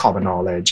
common knowledge